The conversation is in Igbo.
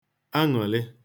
aṅụ̀lị